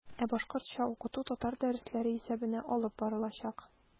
Ә башкортча укыту татар дәресләре исәбенә алып барылачак.